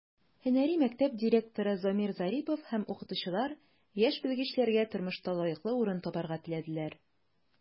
Һөнәри мәктәп директоры Замир Зарипов һәм укытучылар яшь белгечләргә тормышта лаеклы урын табарга теләделәр.